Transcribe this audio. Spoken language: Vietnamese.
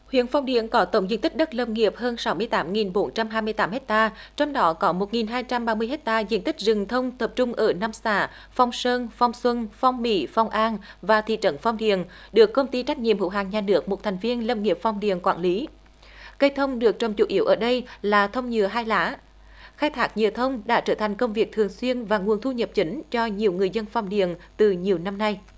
huyện phong điền có tổng diện tích đất lâm nghiệp hơn sáu mươi tám nghìn bốn trăm hai mươi tám héc ta trong đó có một nghìn hai trăm ba mươi héc ta diện tích rừng thông tập trung ở năm xã phong sơn phong xuân phong bị phong an và thị trấn phong điền được công ty trách nhiệm hữu hạn nhà nước một thành viên lâm nghiệp phong điền quản lý cây thông được trồng chủ yếu ở đây là thông nhựa hai lá khai thác nhựa thông đã trở thành công việc thường xuyên và nguồn thu nhập chính cho nhiều người dân phong điền từ nhiều năm nay